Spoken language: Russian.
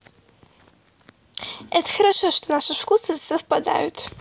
это хорошо что наши вкусы совпадают